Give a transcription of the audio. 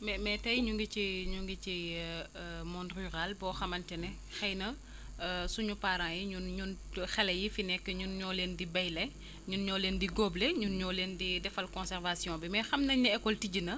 mais mais tey ñu ngi ci ñu ngi ci monde rural boo xamante ne xëy na suñu parents yi ñun ñun xale yi fi nekk ñun ñoo leen di béyle ñun ñoo leen di góoble ñun ñoo leen di defal conservation bi mais xam nañu ne école tijji na